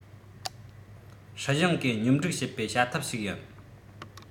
སྲིད གཞུང གིས སྙོམ སྒྲིག བྱེད པའི བྱ ཐབས ཤིག ཡིན